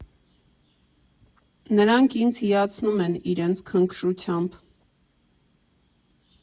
Նրանք ինձ հիացնում են իրենց քնքշությամբ։